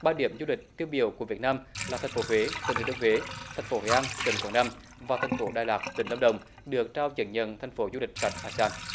ba điểm du lịch tiêu biểu của việt nam là thành phố huế tỉnh thừa thiên huế thành phố hội an tỉnh quảng nam và thành phố đà lạt tỉnh lâm đồng được trao chứng nhận thành phố du lịch sạch a se an